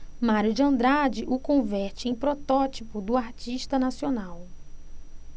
mário de andrade o converte em protótipo do artista nacional